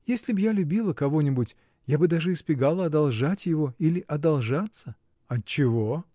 Если б я любила кого-нибудь, я бы даже избегала одолжать его или одолжаться. — Отчего?